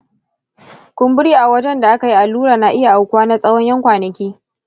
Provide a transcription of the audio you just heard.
kumburi a wajen da akayi allurar na iya aukuwa na tsawon 'yan kwanaki.